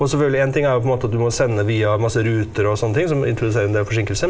og selvfølgelig én ting er jo på en måte at du må sende via masse ruter og sånne ting som introduserer en del forsinkelser.